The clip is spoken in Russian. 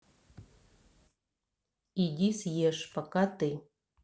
иди съешь пока ты